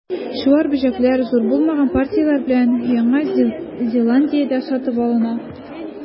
Чуар бөҗәкләр, зур булмаган партияләр белән, Яңа Зеландиядә сатып алына.